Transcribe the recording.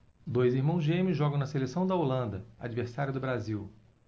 dois irmãos gêmeos jogam na seleção da holanda adversária do brasil